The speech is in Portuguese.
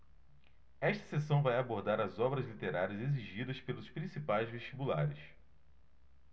esta seção vai abordar as obras literárias exigidas pelos principais vestibulares